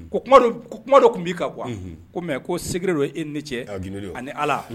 Ko kuma dɔ tun b'i ka kuwa mɛ ko sigilen don e ni cɛ g ani ala